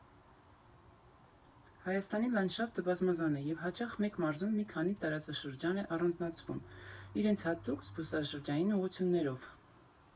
Հայաստանի լանդշաֆտը բազմազան է, և հաճախ մեկ մարզում մի քանի տարածաշրջան է առանձնացվում՝ իրենց հատուկ զբոսաշրջային ուղղություններով։